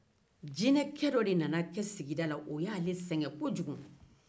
jineke dɔ nana sigida la o y'ale sɛgɛn kojugu